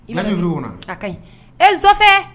a yi, a kaɲi , ee Zɔfɛ